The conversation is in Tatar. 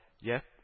Йә